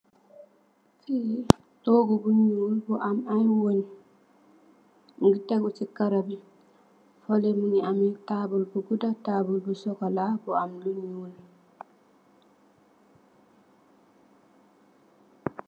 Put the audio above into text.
Tóógu bu ñuul bu am ay weñ, mugii tégu ci karó bi. Fale mugii am tabull bu gudda tabull bu sokola bu am lu ñuul.